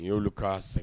N y'olu k'a sɛgɛn